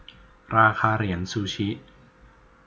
ราคาเหรียญซูชิ